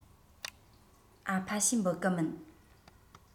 ཨ ཕ ཞེས འབོད གི མིན